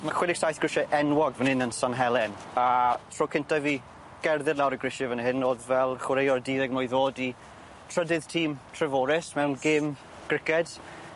Ma' chwe deg saith grisie enwog fyn 'yn yn San Helen a tro cynta i fi gerdded lawr y grisie fyn hyn o'dd fel chwaraewr duddeg mlwydd o'd i trydydd tîm Treforys mewn gêm griced